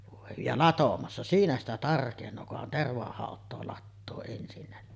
voi ja latomassa siinä sitä tarkenee kunhan tervahautaa latoo ensinnä niin